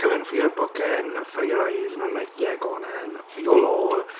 Come in for your booking and for your eyes" and i'm like "yeah go on then. YOLO!"